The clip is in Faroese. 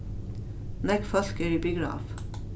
nógv fólk eru í biograf